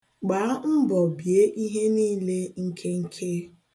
Gbaa mbọ bie ihe niile nkenke.